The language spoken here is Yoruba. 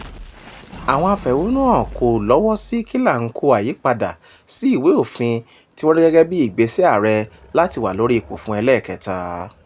Àwọn afẹ̀hónúhàn kò lọ́wọ́ sí kílàńkó àyípadà sí ìwé-òfin tí wọ́n rí gẹ́gẹ́ bí ìgbésẹ̀ ààrẹ láti wà lórí ipò fún ẹlẹ́ẹ̀kẹ́ta.